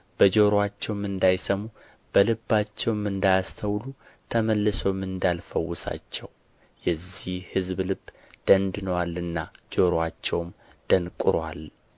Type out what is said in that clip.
በጆሮአቸውም እንዳይሰሙ በልባቸውም እንዳያስተውሉ ተመልሰውም እንዳልፈውሳቸው የዚህ ሕዝብ ልብ ደንድኖአልና ጆሮአቸውም ደንቁሮአል